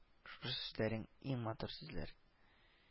Шы сүзләрең – иң матур сүзләр